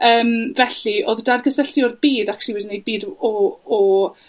Yym, felly, odd dad-gysylltu o'r byd actually wedi neud byd o o o